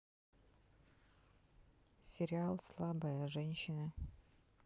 сериал слабая женщина